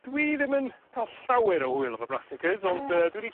Dwi ddim yn ca'l llawer o hŵyl efo brassicas ond yy dwi 'di